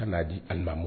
Ka k'a di alilimamu